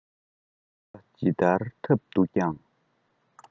ཆུ མདངས ནོར བུས དྭངས པར བྱེད